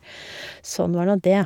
Sånn var nå det.